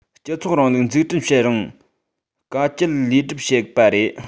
སྤྱི ཚོགས རིང ལུགས འཛུགས སྐྲུན བྱེད རིང དཀའ སྤྱད ལས སྒྲུབ བྱེད པ དང